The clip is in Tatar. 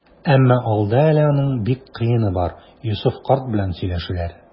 Әмма алда әле аның бик кыены бар - Йосыф карт белән сөйләшүләр.